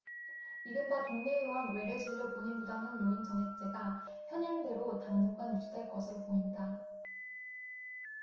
이른바 동네의원 외래진료 본인부담금 노인정액제가 현행대로 당분간 유지될 것으로 보인다